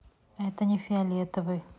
это не фиолетовый